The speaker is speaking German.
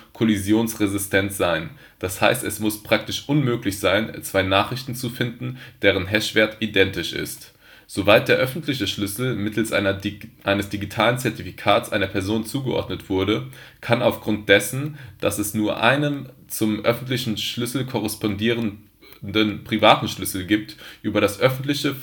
kollisionsresistent sein, d. h. es muss praktisch unmöglich sein, zwei Nachrichten zu finden, deren Hash-Wert identisch ist. Soweit der öffentliche Schlüssel mittels eines digitalen Zertifikats einer Person zugeordnet wurde, kann auf Grund dessen, dass es nur einen zum öffentlichen Schlüssel korrespondierenden privaten Schlüssel gibt, über das öffentliche